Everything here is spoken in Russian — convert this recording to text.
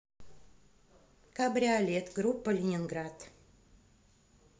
кабриолет группа ленинград